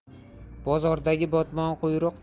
bozordagi botmon quyruq